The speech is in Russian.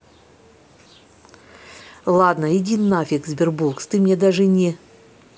ладно иди нафиг sberbox ты мне даже не